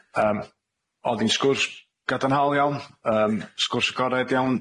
Yym, o'dd 'i'n sgwrs gadarnhaol iawn, yym sgwrs agored iawn.